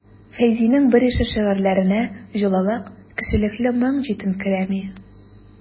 Фәйзинең берише шигырьләренә җылылык, кешелекле моң җитенкерәми.